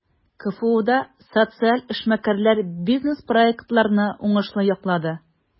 КФУда социаль эшмәкәрләр бизнес-проектларны уңышлы яклады.